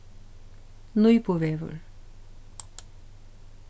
nípuvegur